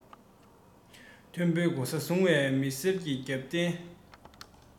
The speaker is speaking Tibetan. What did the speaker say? མཐོན པོའི གོ ས བཟུང བའི མི སེར གྱི རྒྱབ རྟེན